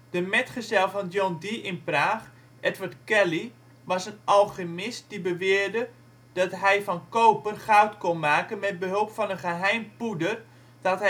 De metgezel van John Dee in Praag, Edward Kelley, was een alchemist die beweerde dat hij van koper goud kon maken met behulp van een geheim poeder dat